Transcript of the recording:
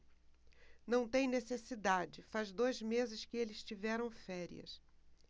não tem necessidade faz dois meses que eles tiveram férias